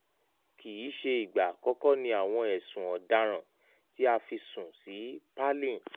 Kiiṣe igba akọkọ ni awọn ẹsun ọdaràn ti a fi sun si Palin.